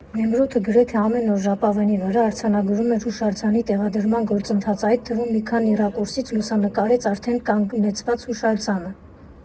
Նեմրութը գրեթե ամեն օր ժապավենի վրա արձանագրում էր հուշարձանի տեղադրման գործընթացը, այդ թվում մի քանի ռակուրսից լուսանկարեց արդեն կանգնեցված հուշարձանը։